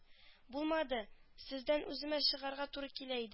Булмады сездән үземә чыгарга туры килә